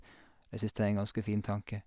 Jeg syns det er en ganske fin tanke.